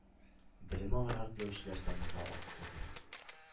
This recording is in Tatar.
Белем алырга теләүчеләр саны да аз түгел.